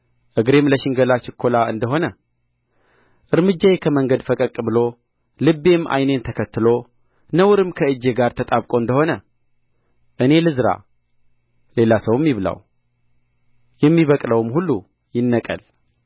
እግሬም ለሽንገላ ቸኵላ እንደ ሆነ እርምጃዬ ከመንገድ ፈቀቅ ብሎ ልቤም ዓይኔን ተከትሎ ነውርም ከእጄ ጋር ተጣብቆ እንደ ሆነ እኔ ልዝራ ሌላ ሰውም ይብላው የሚበቅለውም ሁሉ ይነቀል